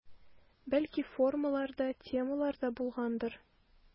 Бәлки формалар да, темалар да булгандыр.